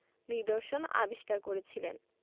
নিদর্শন আবিষ্কার করেছিলেন